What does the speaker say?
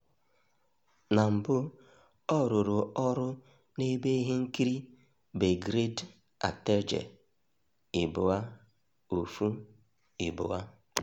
Na mbụ, ọ rụrụ ọrụ n'ebe ihe nkiri Belgrade Atelje 212.